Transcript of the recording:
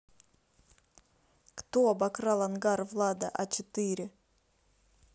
кто обокрал ангар влада а четыре